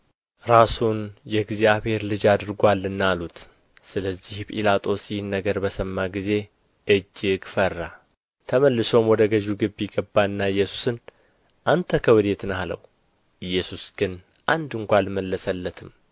ራሱን የእግዚአብሔር ልጅ አድርጎአልና አሉት ስለዚህ ጲላጦስ ይህን ነገር በሰማ ጊዜ እግጅ ፈራ ተመልሶም ወደ ገዡ ግቢ ገባና ኢየሱስን አንተ ከወዴት ነህ አለው ኢየሱስ ግን አንድ እንኳ አልመለሰለትም